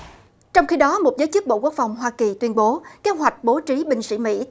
trong khi đó một giới chức bộ quốc phòng hoa kỳ tuyên bố kế hoạch bố trí binh sĩ mỹ